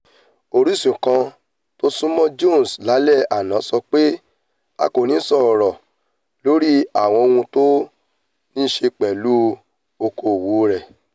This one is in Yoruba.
Orísun kan tó súnmọ́ Jones lálẹ́ àná sowípẹ́ ''A kòní sọ ọrọ lórí àwọn ohun tó nííṣe pẹ̀lú oko-òwò rẹ̀.''